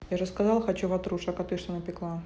я же сказал хочу ватрушек а ты что напекла